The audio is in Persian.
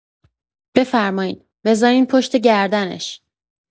بفرمایین، بذارین پشت گردنش.